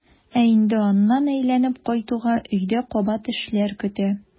Ә инде аннан әйләнеп кайтуга өйдә кабат эшләр көтә.